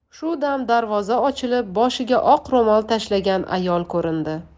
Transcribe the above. shu dam darvoza ochilib boshiga oq ro'mol tashlagan ayol ko'rindi